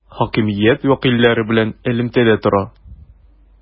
Хакимият вәкилләре белән элемтәдә тора.